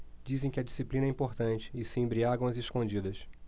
dizem que a disciplina é importante e se embriagam às escondidas